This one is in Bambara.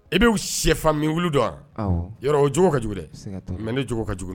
I bɛ sɛfanminwulu don wa, awɔ, yɔrɔ o jogo ka jugu dɛ, siga t'o la mais ne jogo ka jugu